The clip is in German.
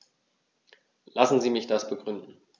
Lassen Sie mich das begründen.